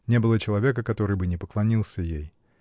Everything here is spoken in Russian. Не было человека, который бы не поклонился ей.